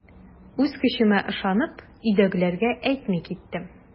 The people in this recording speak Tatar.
Үз көчемә ышанып, өйдәгеләргә әйтми киттем.